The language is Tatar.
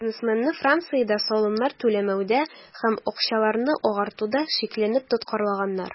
Бизнесменны Франциядә салымнар түләмәүдә һәм акчаларны "агартуда" шикләнеп тоткарлаганнар.